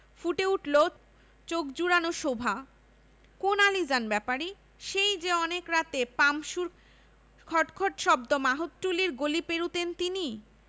ফুটে উঠলো চোখ জুড়োনো শোভা কোন আলীজান ব্যাপারী সেই যে অনেক রাতে পাম্পসুর খট খট শব্দ মাহুতটুলির গলি পেরুতেন তিনি